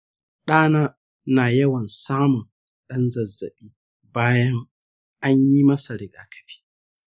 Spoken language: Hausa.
ɗana na yawan samun ɗan zazzabi bayan an yi masa rigakafi.